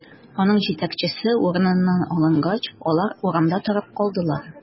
Аның җитәкчесе урыныннан алынгач, алар урамда торып калдылар.